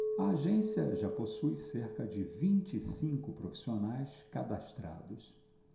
a agência já possui cerca de vinte e cinco profissionais cadastrados